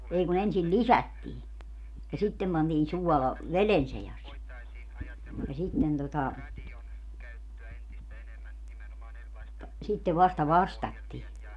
ei kun ensin lisättiin ja sitten pantiin suola veden seassa ja sitten tuota sitten vasta vastattiin